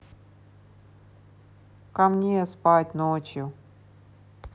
ко мне спать ночью